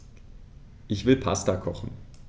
Ich will Pasta kochen.